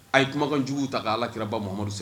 A ye kumakanjugu ta k'alakiraba Mahamadu skɛrɛ.